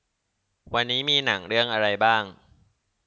วันนี้มีหนังเรื่องอะไรบ้าง